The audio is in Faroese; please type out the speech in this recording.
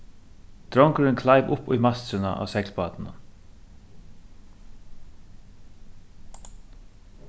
drongurin kleiv upp í mastrina á seglbátinum